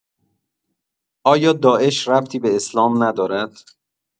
آیا داعش ربطی به اسلام ندارد؟